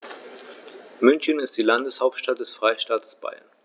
München ist die Landeshauptstadt des Freistaates Bayern.